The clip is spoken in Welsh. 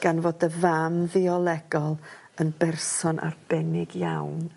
gan fod dy fam fiolegol yn berson arbennig iawn